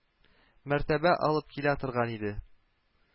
Мәртәбә алып килә торган иде